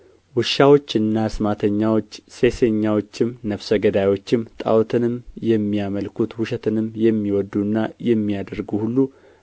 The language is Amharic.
ውሻዎችና አስማተኞች ሴሰኛዎችም ነፍሰ ገዳዮችም ጣዖትንም የሚያመልኩት ውሸትንም የሚወዱና የሚያደርጉ ሁሉ